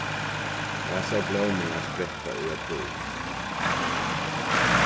hasar blómurnar spretta í apríl